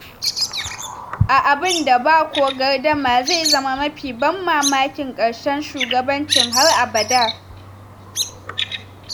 A abun da ba ko gardama zai zama “mafi ban mamakin karshen shugabanci har abada!”